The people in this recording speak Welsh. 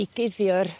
i guddio'r